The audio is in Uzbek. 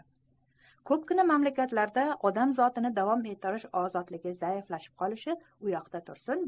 ko'pgina mamlakatlarda odam zotini davom ettirish erki zaiflashib qolishi u yoqda tursin